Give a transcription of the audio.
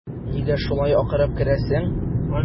Нигә шулай акырып керәсең?